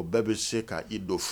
O bɛɛ bi se ka i dɔ f